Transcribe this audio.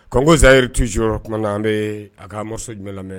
Kogo zari tuy o tuma na an bɛ a kamo jumɛn lamɛn